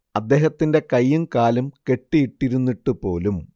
അദ്ദേഹത്തിന്റെ കൈയും കാലും കെട്ടിയിട്ടിരുന്നിട്ടുപോലും